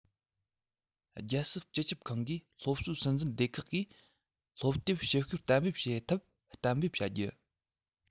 རྒྱལ སྲིད སྤྱི ཁྱབ ཁང གི སློབ གསོའི སྲིད འཛིན སྡེ ཁག གིས སློབ དེབ ཞིབ བཤེར གཏན འབེབས བྱེད ཐབས གཏན འབེབས བྱ རྒྱུ